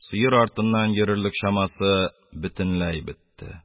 Сыер артыннан йөрерлек чамасы бөтенләй бетте.